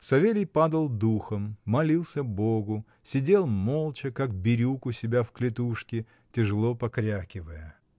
Савелий падал духом, молился Богу, сидел молча, как бирюк, у себя в клетушке, тяжело покрякивая.